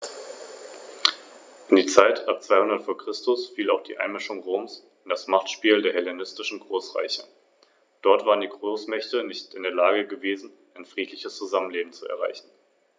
Während sie einen Fixbetrag an den Staat abführten, konnten sie Mehreinnahmen behalten.